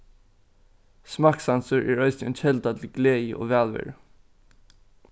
smakksansur er eisini ein kelda til gleði og vælveru